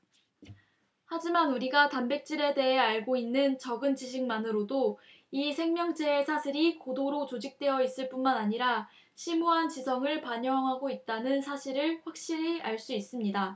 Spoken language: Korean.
하지만 우리가 단백질에 대해 알고 있는 적은 지식만으로도 이 생명체의 사슬이 고도로 조직되어 있을 뿐만 아니라 심오한 지성을 반영하고 있다는 사실을 확실히 알 수 있습니다